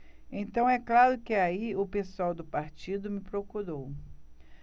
então é claro que aí o pessoal do partido me procurou